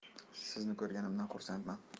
sizni ko'rganimdan xursandman